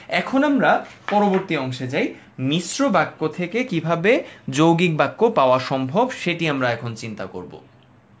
এখন আমরা পরবর্তী অংশে যাই মিশ্র বাক্য থেকে কিভাবে যৌগিক বাক্য পাওয়া সম্ভব সেটি আমরা এখন চিন্তা করব